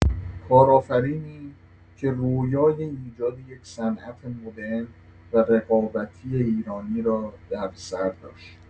کارآفرینی که رؤیای ایجاد یک صنعت مدرن و رقابتی ایرانی را در سر داشت.